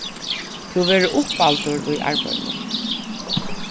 tú verður upplærdur í arbeiðinum